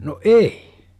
no ei